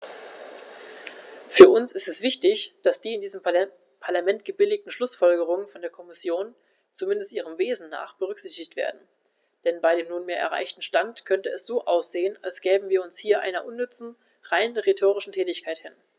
Für uns ist es wichtig, dass die in diesem Parlament gebilligten Schlußfolgerungen von der Kommission, zumindest ihrem Wesen nach, berücksichtigt werden, denn bei dem nunmehr erreichten Stand könnte es so aussehen, als gäben wir uns hier einer unnütze, rein rhetorischen Tätigkeit hin.